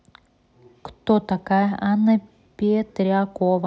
кто такая анна петрякова